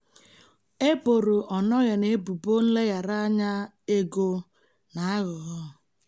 E boro Onnoghen ebubo nleghara anya ego na aghụghọ.